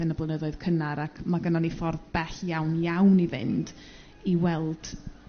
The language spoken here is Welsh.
yn y blynyddoedd cynnar ac ma' gynnon ni ffordd bell iawn iawn i fynd i weld